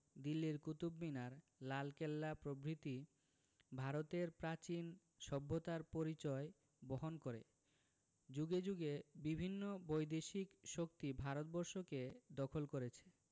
দিল্লির কুতুব মিনার লালকেল্লা প্রভৃতি ভারতের প্রাচীন সভ্যতার পরিচয় বহন করেযুগে যুগে বিভিন্ন বৈদেশিক শক্তি ভারতবর্ষকে দখল করেছে